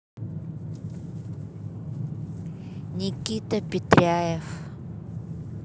никита петряев